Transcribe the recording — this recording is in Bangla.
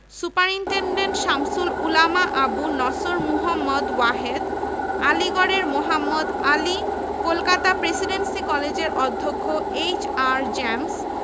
ঢাকায় একটি পৃথক বিশ্ববিদ্যালয় প্রতিষ্ঠা সম্ভবত হবে বাংলাকে অভ্যন্তরীণভাবে বিভক্তির শামিল তাঁরা আরও মত প্রকাশ করেন যে